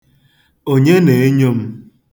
Onye na-enyo m?